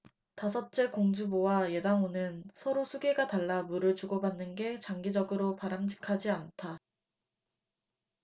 다섯째 공주보와 예당호는 서로 수계가 달라 물을 주고받는 게 장기적으로 바람직하지 않다